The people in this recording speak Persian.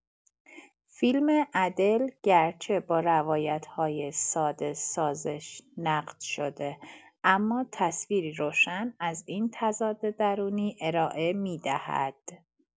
فیلم ادل، گرچه با روایت‌های ساده‌سازش نقد شده، اما تصویری روشن از این تضاد درونی ارائه می‌دهد.